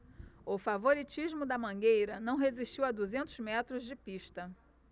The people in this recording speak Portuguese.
o favoritismo da mangueira não resistiu a duzentos metros de pista